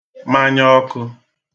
manyaọkə̣̄